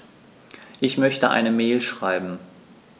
Ich möchte eine Mail schreiben.